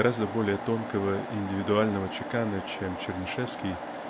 гораздо более тонкого индивидуального чекана чем Чернышевский